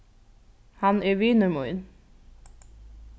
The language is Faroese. hann er vinur mín